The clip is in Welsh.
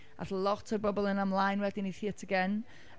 Aeth lot o'r bobl yna mlaen wedyn i Theatr Gen.